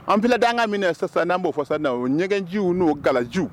Anpilɛ dan anga minɛ n'an b' fasa o ɲɛgɛnjw n'o gaju